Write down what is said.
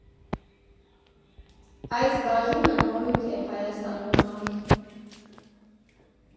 Այս բաժինը նորույթ էր Հայաստանի համար։